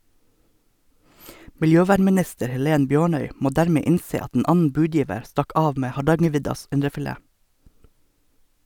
Miljøvernminister Helen Bjørnøy må dermed innse at en annen budgiver stakk av med «Hardangerviddas indrefilet».